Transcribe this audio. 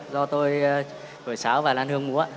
do tôi thổi sáo và lan hương múa ạ